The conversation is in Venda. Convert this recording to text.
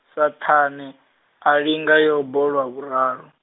Saṱhane, a linga Yobo lwa vhuraru.